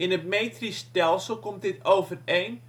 het metrisch stelsel komt dit overeen